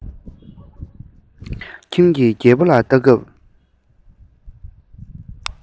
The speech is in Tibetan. ཁྱིམ གྱི རྒད པོ ལ ལྟ སྐབས